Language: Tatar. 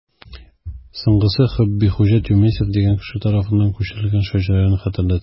Соңгысы Хөббихуҗа Тюмесев дигән кеше тарафыннан күчерелгән шәҗәрәне хәтерләтә.